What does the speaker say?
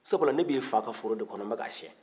sabula n b'i fa ka foro de kɔnɔ n bɛ ka siyɛn